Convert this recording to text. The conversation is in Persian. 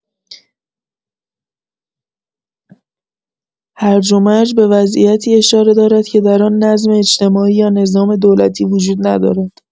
هرج‌ومرج به وضعیتی اشاره دارد که در آن نظم اجتماعی یا نظام دولتی وجود ندارد.